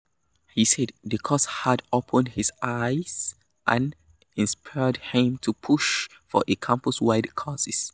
He said the course had opened his eyes and inspired him to push for a campus-wide course.